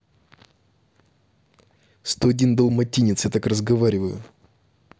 сто один далматинец я так разговариваю